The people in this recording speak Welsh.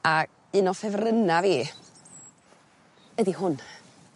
U un o ffefrynna fi ydi hwn.